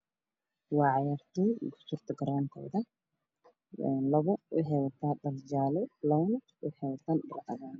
Waa ciyaartooy ku jirto garoonkooda labo waxay wataan dhar jaallo labana waxay wataan dhar cagaar ah